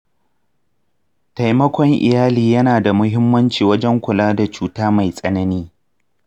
taimakon iyali yana da muhimmanci wajen kula da cuta mai tsanani.